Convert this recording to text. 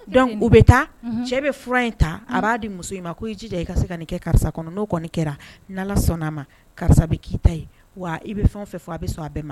Donc u bɛ taa , cɛ bɛ fura in ta a b'a di muso in ma, k'o i jija i ka nin ye karisa kɔnɔ n'o kɔni kɛra n allah sɔnna'ma karisa bɛ kɛ i ta ye, wa i bɛ fɛn o fɛn fɔ, a bɛ sɔn a bɛɛ ma!